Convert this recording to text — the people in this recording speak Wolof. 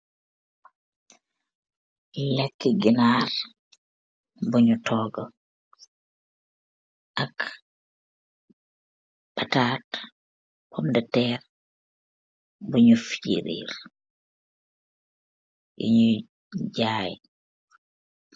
Leke ganar bunu tooga ak patate, pomdaterr bunu firirr yunuy jaye.